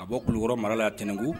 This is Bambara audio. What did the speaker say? A bɔ kulukɔrɔ mara la ntɛnɛnku